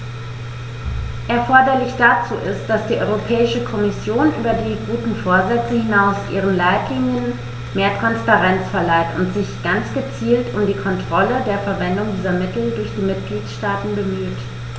Erforderlich dazu ist, dass die Europäische Kommission über die guten Vorsätze hinaus ihren Leitlinien mehr Transparenz verleiht und sich ganz gezielt um die Kontrolle der Verwendung dieser Mittel durch die Mitgliedstaaten bemüht.